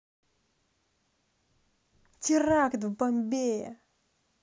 теракт в бомбее